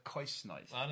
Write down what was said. O 'na ti.